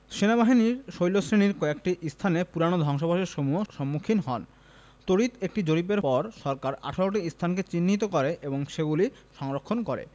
সেনাবাহিনী শৈলশ্রেণির কয়েকটি স্থানে পুরানো ধ্বংসাবশেষসমূহের সম্মুখীন হয় তরিত একটি জরিপের পর সরকার ১৮টি স্থানকে চিহ্নিত করে এবং সেগুলি সংরক্ষণ করে